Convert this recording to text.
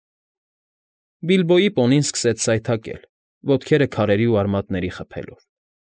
Բիլբոյի պոնին սկսեց սայթաքել՝ ոտքերը քարերի ու արմատների խփելով։